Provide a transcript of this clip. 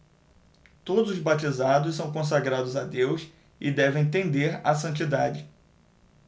todos os batizados são consagrados a deus e devem tender à santidade